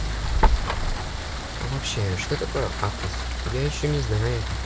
а вообще что такое апрес я еще не знаю это